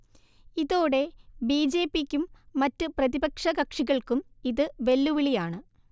ഇതോടെ ബിജെപി ക്കും മറ്റ് പ്രതിപക്ഷ കക്ഷികൾക്കും ഇത് വെല്ലുവിളിയാണ്